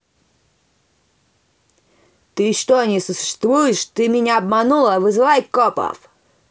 ты что не существуешь ты меня обманула вызывай копов